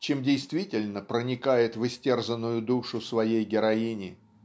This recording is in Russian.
чем действительно проникает в истерзанную душу своей героини.